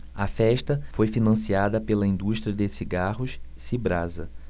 a festa foi financiada pela indústria de cigarros cibrasa